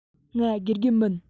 ང དགེ རྒན མིན